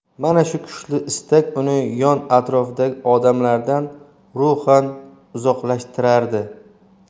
mana shu kuchli istak uni yon atrofidagi odamlardan ruhan uzoqlashtirardi